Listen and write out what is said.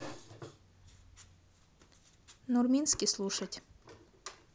нурминский слушать